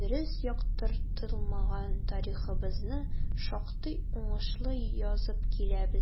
Дөрес яктыртылмаган тарихыбызны шактый уңышлы язып киләбез.